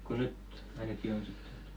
kun nyt ainakin on sitten